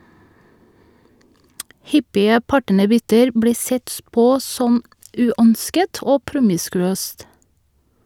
Hyppige partnerbytter blir sett på som uønsket og promiskuøst.